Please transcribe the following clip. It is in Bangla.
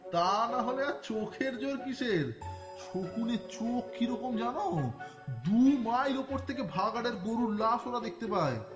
তা না হলে আর চোখের জোর কিসের শকুনের চোখ কি রকম জানো দু মাইল ওপর থেকে ভাগাড়ের গরুর লাশ ওরা দেখতে পায়